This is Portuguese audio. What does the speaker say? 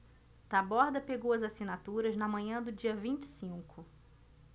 taborda pegou as assinaturas na manhã do dia vinte e cinco